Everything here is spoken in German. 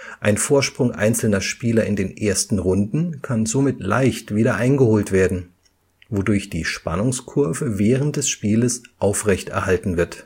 Ein Vorsprung einzelner Spieler in den ersten Runden kann somit leicht wieder eingeholt werden, wodurch die Spannungskurve während des Spieles aufrechterhalten wird